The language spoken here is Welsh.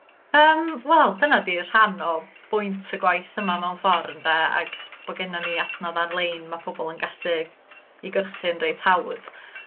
Yym wel dyna 'di rhan o bwynt y gwaith yma mewn ffor ynde ag bo' gennon ni adnodd ar-lein ma' pobol yn gallu 'i gyrchu'n reit hawdd.